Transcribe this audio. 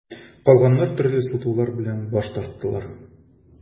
Калганнар төрле сылтаулар белән баш тарттылар.